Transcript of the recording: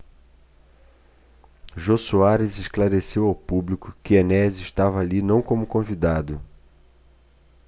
jô soares esclareceu ao público que enéas estava ali não como convidado